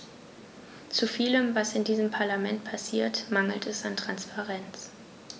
Zu vielem, was in diesem Parlament passiert, mangelt es an Transparenz.